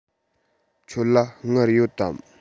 ཁྱོད ལ དངུལ ཡོད དམ